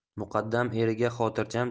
muqaddam eriga xotirjam